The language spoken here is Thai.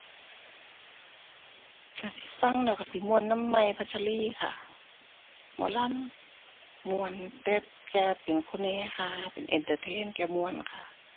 ก็สิฟังแล้วก็สิม่วนนำใหม่ พัชรีค่ะ หมอลำ ม่วน แต่แกเป็นคนเฮฮา เป็น entertain แกม่วนค่ะ